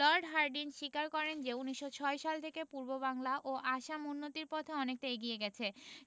Lord Hardinge স্বীকার করেন যে ১৯০৬ সাল থেকে পূর্ববাংলা ও আসাম উন্নতির পথে অনেকটা এগিয়ে গেছে